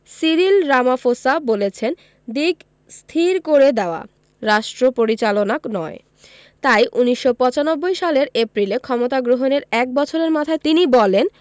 Cyril Ramaphosa বলেছেন দিক স্থির করে দেওয়া রাষ্ট্রপরিচালনা নয় তাই ১৯৯৫ সালের এপ্রিলে ক্ষমতা গ্রহণের এক বছরের মাথায় তিনি বলেন